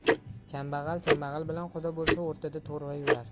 kambag'al kambag'al bilan quda bo'lsa o'rtada to'rva yurar